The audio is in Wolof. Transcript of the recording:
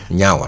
ñaawal